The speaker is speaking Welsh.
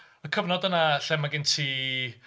Y cyfnod yna lle mae gen ti...